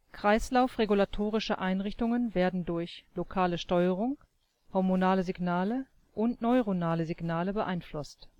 Kreislaufregulatorische Einrichtungen werden durch lokale Steuerung, hormonale Signale und neuronale Signale beeinflusst